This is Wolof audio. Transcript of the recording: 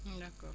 d' accord